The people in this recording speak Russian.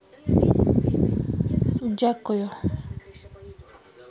дякую